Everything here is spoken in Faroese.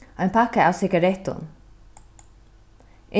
ein pakka av sigarettum